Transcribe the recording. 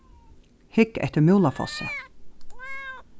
hygg eftir múlafossi